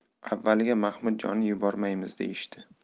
avvaliga mahmudjonni yubormaymiz deyishdi